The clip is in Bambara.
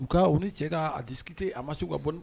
U ka u ni cɛ k'a dikite a masiw ka bɔ